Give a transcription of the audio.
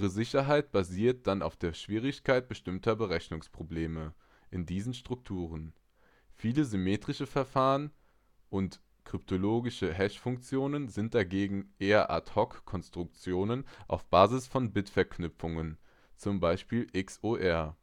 Sicherheit basiert dann auf der Schwierigkeit bestimmter Berechnungsprobleme in diesen Strukturen. Viele symmetrische Verfahren und (kryptologische) Hashfunktionen sind dagegen eher Ad-hoc-Konstruktionen auf Basis von Bit-Verknüpfungen (z. B. XOR